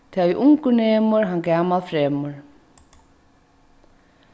tað ið ungur nemur hann gamal fremur